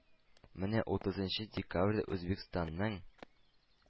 Менә утызынчы декабрьдә Үзбәкстанның